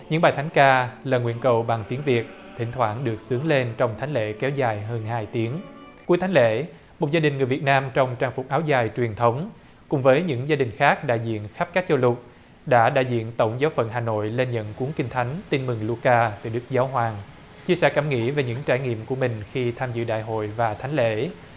những bài thánh ca lời nguyện cầu bằng tiếng việt thỉnh thoảng được xướng lên trong thánh lễ kéo dài hơn hai tiếng cuối thánh lễ một gia đình người việt nam trong trang phục áo dài truyền thống cùng với những gia đình khác đại diện khắp các châu lục đã đại diện tổng giáo phận hà nội lên nhận cuốn kinh thánh tiền mừng lu ca thì đức giáo hoàng chia sẻ cảm nghĩ về những trải nghiệm của mình khi tham dự đại hội và thánh lễ